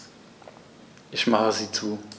Ich mache sie zu.